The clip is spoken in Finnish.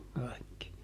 kaikki